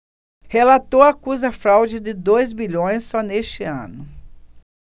relator acusa fraude de dois bilhões só neste ano